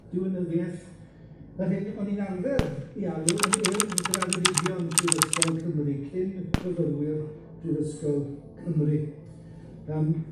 diwinyddieth, yr hyn o'n i'n arfer 'i alw yn Urdd Graddedigion Prifysgol Cymru cyn fyfyrwyr Prifysgol Cymru yym.